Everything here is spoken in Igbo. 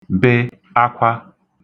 be akwa